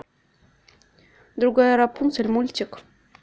другая рапунцель мультик